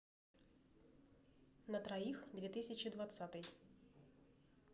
на троих две тысячи двадцатый